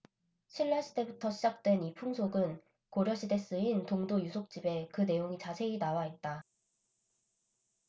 신라시대부터 시작된 이 풍속은 고려시대 쓰인 동도유속집에 그 내용이 자세히 나와있다